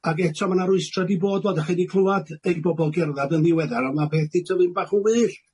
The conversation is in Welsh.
ag eto ma' 'na rwystra' 'di bod, fel dach chi 'di clŵad, i bobol gerddad yn ddiweddar, on' ma' peth 'di tyfu'n bach yn wyllt.